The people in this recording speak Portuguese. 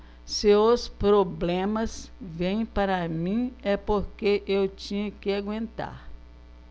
se os problemas vêm para mim é porque eu tinha que aguentar